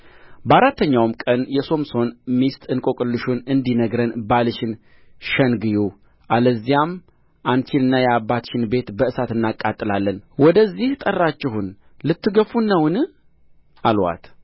በአራተኛውም ቀን የሶምሶንን ሚስት እንቈቅልሹን እንዲነግረን ባልሽን ሸንግዪው አለዚያም እንቺንና የአባትሽን ቤት በእሳት እናቃጥላለን ወደዚህ ጠራችሁን ልትገፉን ነውን አሉአት